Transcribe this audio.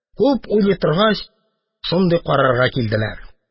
Күп уйлый торгач, шундый карарга килделәр